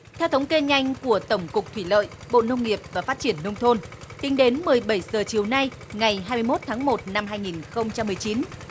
theo thống kê nhanh của tổng cục thủy lợi bộ nông nghiệp và phát triển nông thôn tính đến mười bảy giờ chiều nay ngày hai mươi mốt tháng một năm hai nghìn không trăm mười chín